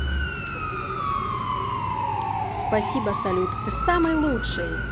спасибо салют ты самый лучший